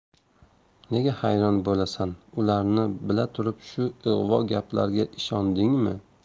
nega hayron bo'lasan ularni bila turib shu ig'vo gaplarga ishondingmi